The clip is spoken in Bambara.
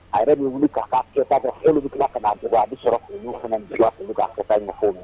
A yɛrɛ bɛ wuli bɛ ka' a bɛ sɔrɔ olu fana olu